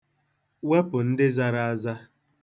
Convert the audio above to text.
Wepụ ndị zara aza.